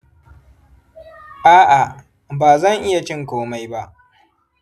a’a, ba zan iya cin komai ba.